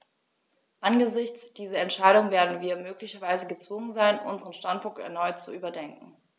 Angesichts dieser Entscheidung werden wir möglicherweise gezwungen sein, unseren Standpunkt erneut zu überdenken.